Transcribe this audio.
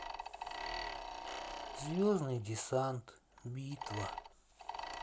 звездный десант битва